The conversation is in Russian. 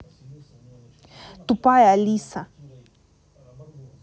тупая алиса